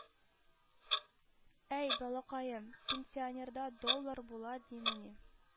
– әй, балакаем, пенсионерда доллар була ди мени